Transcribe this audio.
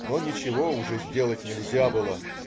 Но ничего уж сделать нельзя было.